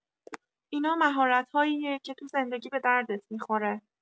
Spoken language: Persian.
اینا مهارت‌هاییه که تو زندگی به دردت می‌خوره.